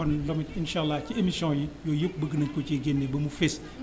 kon donc incha allah ci émissions yi yooyu yëpp bëgg nañu ko cee génne ba mu fés